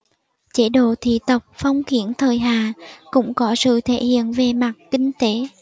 chế độ thị tộc phong kiến thời hạ cũng có sự thể hiện về mặt kinh tế